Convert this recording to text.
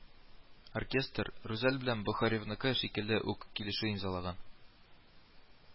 Оркестр Рүзәл белән Бохараевныкы шикелле үк килешү имзалаган